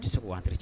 Tɛ are